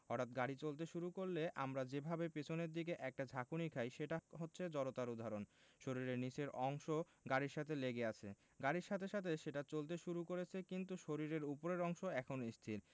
হঠাৎ গাড়ি চলতে শুরু করলে আমরা যেভাবে পেছনের দিকে একটা ঝাঁকুনি খাই সেটা হচ্ছে জড়তার উদাহরণ শরীরের নিচের অংশ গাড়ির সাথে লেগে আছে গাড়ির সাথে সাথে সেটা চলতে শুরু করেছে কিন্তু শরীরের ওপরের অংশ এখনো স্থির